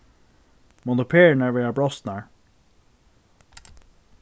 munnu perurnar vera brostnar